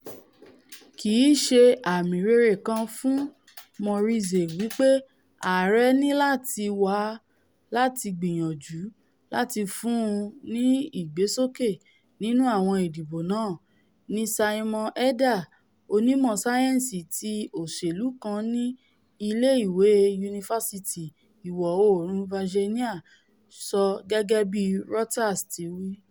Kìí ṣe àmì rere kan fún Morrisey wí pé àarẹ̵ níláti wá láti gbìyànjú láti fún un ní ìgbésókè nínú àwọn ìdìbò náà,'' ni Simon Haeder, onímọ̀ sáyẹ́ǹsì ti òṣèlú kan ní ilé ìwé Yunifasiti Ìwọ-oòrùn Virginia sọ gẹ́gẹ́bí Reuters ti wí.